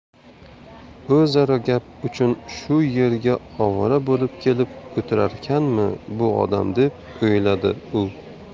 o'zaro gap uchun shu yerga ovora bo'lib kelib o'tirarkanmi bu odam deb o'yladi u